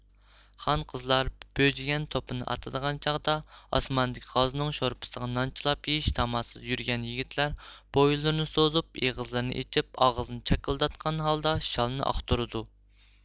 خان قىزلار بۆجىگەن توپىنى ئاتىدىغان چاغدا ئاسماندىكى غازنىڭ شورپسىغا نان چىلاپ يېيىش تاماسىدا يۈرگەن يىگىتلەر بويۇنلىرىنى سوزۇپ ئېغىزلىرىنى ئېچىپ ئاغزىنى چاكىلداتقان ھالدا شالىنى ئاقتۇرىدۇ